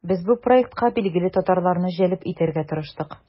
Без бу проектка билгеле татарларны җәлеп итәргә тырыштык.